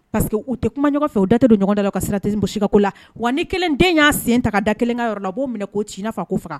Pa que u tɛ kuma ɲɔgɔn fɛ u datɛ don ɲɔgɔn da la ka sira tɛbonsi ka ko la wa ni kelen den y'a sen ta da kelen ka yɔrɔ b'o minɛ k'o ci'a ko faga